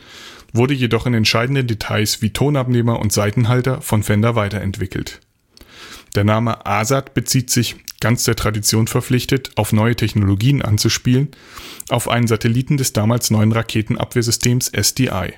wurde jedoch in entscheidenden Details wie Tonabnehmer und Saitenhalter von Fender weiterentwickelt. Der Name „ ASAT “bezieht sich – ganz der Tradition verpflichtet, auf neue Technologien anzuspielen – auf einen Satelliten des damals neuen Raketenabwehrsystems SDI